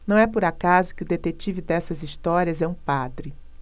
não é por acaso que o detetive dessas histórias é um padre